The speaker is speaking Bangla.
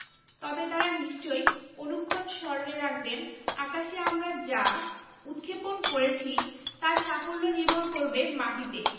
তবে তাঁরা নিশ্চয় অনুক্ষণ স্মরণে রাখবেন আকাশে আমরা যা উৎক্ষেপণ করেছি তার সাফল্য নির্ভর করবে মাটিতে